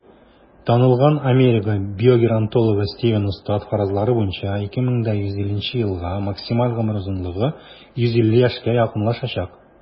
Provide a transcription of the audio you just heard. Танылган Америка биогеронтологы Стивен Остад фаразлары буенча, 2150 елга максималь гомер озынлыгы 150 яшькә якынлашачак.